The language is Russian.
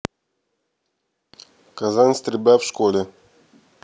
казань стрельба в школе